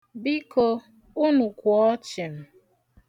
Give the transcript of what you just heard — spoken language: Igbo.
Biko, unu kwụọ chim!